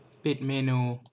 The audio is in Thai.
ปิดเมนู